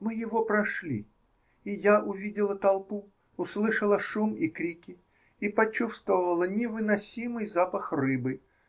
Мы его прошли, и я увидела толпу, услышала шум и крики и почувствовала невыносимый запах рыбы.